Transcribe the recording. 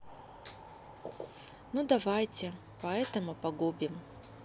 ну давайте поэтому погубим